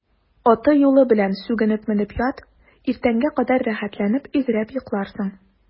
Аты-юлы белән сүгенеп менеп ят, иртәнгә кадәр рәхәтләнеп изрәп йокларсың.